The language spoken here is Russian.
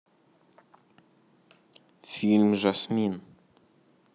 фильм жасмин